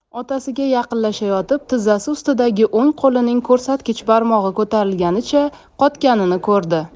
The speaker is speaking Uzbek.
otasiga yaqinlashayotib tizzasi ustidagi o'ng qo'lining ko'rsatkich barmog'i ko'tarilganicha qotganini ko'rdi